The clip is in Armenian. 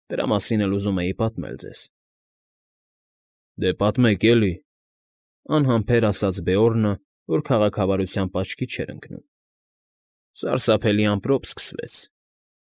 Դրա մասին էլ ուզում էի պատմել ձեզ։ ֊ Դե պատմեք, էլի,֊ անհամբեր ասաց Բոերնը, որ քաղաքավարությամբ աչքի չէր ընկնում։ ֊ Սարսափելի ամպրոպ սկսվեց։